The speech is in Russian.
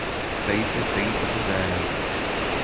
тридцать три попугая